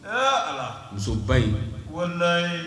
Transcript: Ɛɛ ala musoba in walima ye